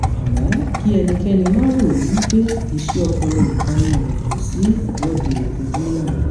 Àmọ́ kí ẹnikẹ́ni máà rò wípé iṣẹ́ ọpọlọ nìkan ni ìrìnàjò sí Ìwọ́de Ojúnà.